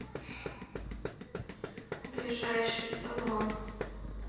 ближайший салон